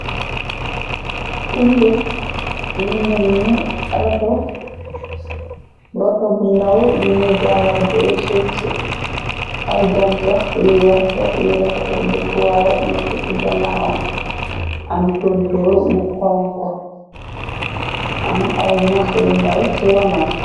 Cungët lu menni rato, rota bu ndaw buñuy jallar bee suuf si , ay gancax yi yarta yi refetar bëkkuwaay nett ci ganaawam , am tuntoor mu xonxo am ay ñax yi ndaw ci ronam.